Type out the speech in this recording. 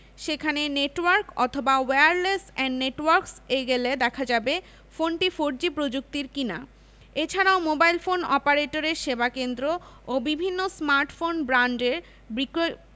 সেখানে নেটওয়ার্ক অথবা wireless and networks এ গেলে দেখা যাবে ফোনটি ফোরজি প্রযুক্তির কিনা এ ছাড়াও মোবাইল ফোন অপারেটরের সেবাকেন্দ্র ও বিভিন্ন স্মার্টফোন ব্র্যান্ডের বিক্রয়